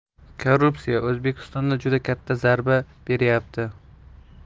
korrupsiya o'zbekistonga juda katta zarba beryapti